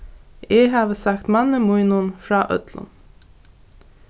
eg havi sagt manni mínum frá øllum